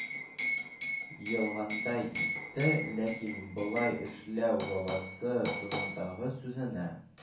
Елгандай итте, ләкин болай эшләү бабасы турындагы сүзенә